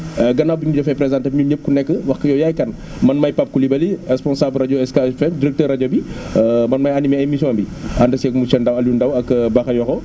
gànnaaw bi ñu defee présenté bi ñun ñëpp ku nekk wax nga yow yaay kan man maay Pape Coulibaly responsable rajo SK FM directeur rajo bi man maay animé émission bi ànd seeg monsieur Ndao aliou Ndao ak Bakhayokho